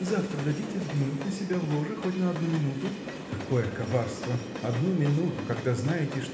– Завтра дадите взглянуть на себя в ложе хоть на одну минуту? – Какое коварство! Одну минуту когда знаете